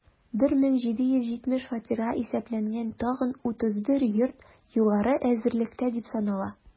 1770 фатирга исәпләнгән тагын 31 йорт югары әзерлектә дип санала.